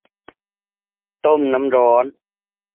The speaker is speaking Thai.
ต้มน้ำร้อน